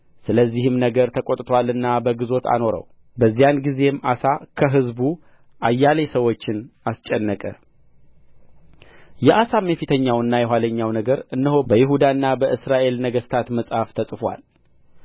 ስለዚህም ነገር ተቈጥቶአልና በግዞት አኖረው በዚያን ጊዜም አሳ ከሕዝቡ አያሌ ሰዎችን አስጨነቀ አሳም የፊተኛውና የኋለኛው ነገር እነሆ በይሁዳና በእስራኤል ነገሥታት መጽሐፍ ተጽፎአል